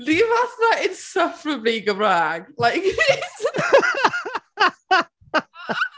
Ni fatha insufferably Gymraeg, like it’s…